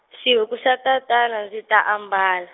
xihuku xa tatana ndzi ta ambala.